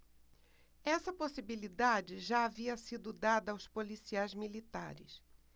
essa possibilidade já havia sido dada aos policiais militares